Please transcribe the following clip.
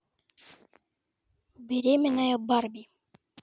беременная барби